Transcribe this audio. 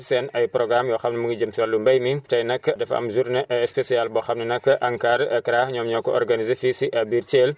ci seen ay programmes yoo xam ne mu ngi jëm si wàllu mbéy mi tey nag dafa am journée spécial boo xam ni nag ANCAR AICRA ñoom ñoo ko organiser fii si biir Thiel